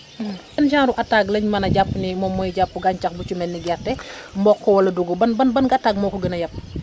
ban genre attaque lañ mën a jàpp ne moom mooy jàpp gàncax bu ci mel ne gerte mboq wala dugub ban ban attaque moo ko gën a yab